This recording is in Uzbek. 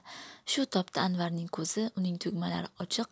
shu topda anvarning ko'zi uning tugmalari ochiq